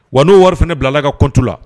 Wa n'o wari fana bilala a ka compte la.